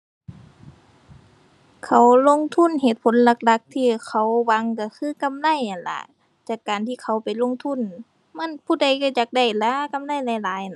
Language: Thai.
เขาลงทุนเหตุผลหลักหลักที่เขาหวังก็คือกำไรนั่นล่ะ จากการที่เขาไปลงทุน มันผู้ใดก็อยากได้ล่ะ กำไรหลายหลาย